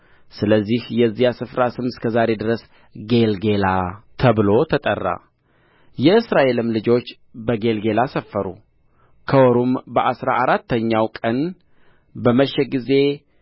ስለዚህ የዚያ ስፍራ ስም እስከ ዛሬ ድረስ ጌልገላ ተብሎ ተጠራ የእስራኤልም ልጆች በጌልገላ ሰፈሩ ከወሩም በአሥራ አራተኛው ቀን በመሸ ጊዜ